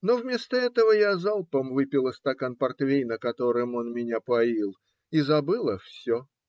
Но вместо этого я залпом выпила стакан портвейна, которым он меня поил, и забыла все.